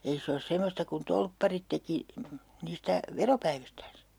ei se ole semmoista kuin torpparit teki niistä veropäivistään